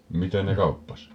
mitä ne kauppasi